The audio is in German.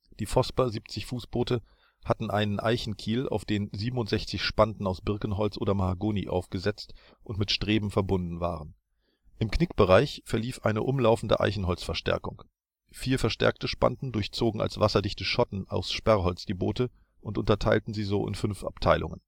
Die Vosper 70 ft Boote hatten einen Eichenkiel auf den 67 Spanten aus Birkenholz oder Mahagoni aufgesetzt und mit Streben verbunden waren. Im Knickbereich verlief eine umlaufende Eichenholzverstäkung. Vier verstärkte Spanten durchgezogen als wasserdichte Schotten aus Sperrholz die Boote und unterteilten sie so in fünf Abteilungen